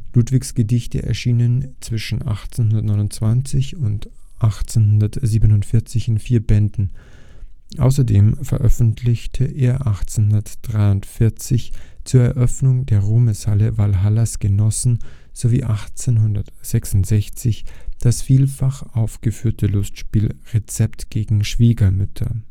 Ludwigs Gedichte erschienen zwischen 1829 und 1847 in vier Bänden. Außerdem veröffentlichte er 1843 zur Eröffnung der Ruhmeshalle Walhallas Genossen sowie 1866 das vielfach aufgeführte Lustspiel Rezept gegen Schwiegermütter